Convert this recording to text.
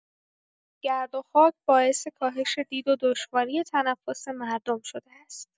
گرد و خاک باعث کاهش دید و دشواری تنفس مردم شده است.